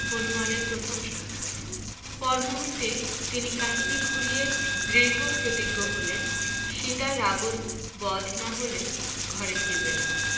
হনুমানের প্রথম সাক্ষাত পরমুহুর্তে তিনি কাহিনী ঘুরিয়ে দৃঢ়প্রতিজ্ঞ হলেন সীতা রাবণ বধ না হলে ঘরে ফিরবে না